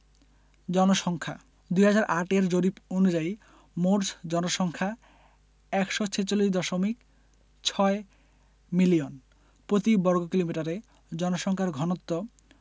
জনসংখ্যাঃ ২০০৮ এর জরিপ অনুযায়ী মোট জনসংখ্যা ১৪৬দশমিক ৬ মিলিয়ন প্রতি বর্গ কিলোমিটারে জনসংখ্যার ঘনত্ব